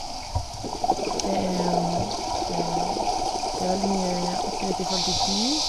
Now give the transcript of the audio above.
det er Det er veldig mye aktivitet i forhold til dyr.